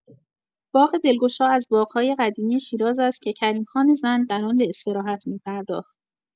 باغ دلگشا از باغ‌های قدیمی شیراز است که کریم‌خان زند در آن به استراحت می‌پرداخت.